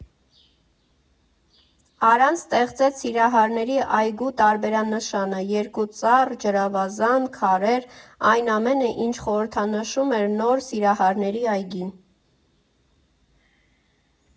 Արան ստեղծեց Սիրահարների այգու տարբերանշանը՝ երկու ծառ, ջրավազան, քարեր՝ այն ամենը, ինչ խորհրդանշում էր նոր Սիրահարների այգին։